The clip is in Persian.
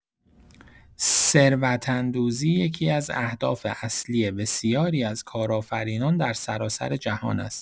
ثروت‌اندوزی یکی‌از اهداف اصلی بسیاری از کارآفرینان در سراسر جهان است.